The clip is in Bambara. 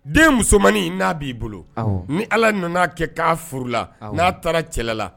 Den musomanmaninin n'a b'i bolo ni ala nana'a kɛ k'a furu la n'a taara cɛla la